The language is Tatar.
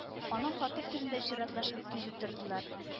Аның фатир төбендә чиратлашып кизү тордылар